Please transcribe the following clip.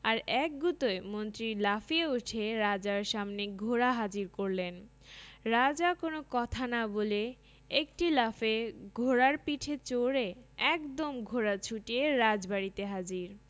আর এক গুতোয় মন্ত্রী লাফিয়ে উঠে রাজার সামনে ঘোড়া হাজির করলেন রাজা কোন কথা না বলে একটি লাফে ঘোড়ার পিঠে চড়ে একদম ঘোড়া ছূটিয়ে রাজবাড়িতে হাজির